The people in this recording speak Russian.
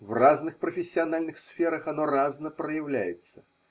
В разных профессиональных сферах оно разно проявляется.